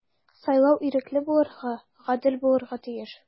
Сайлау ирекле булырга, гадел булырга тиеш.